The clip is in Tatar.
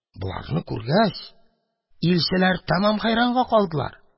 Боларны күреп, илчеләр тәмам хәйранга калдылар.